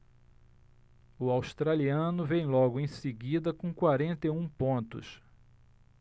o australiano vem logo em seguida com quarenta e um pontos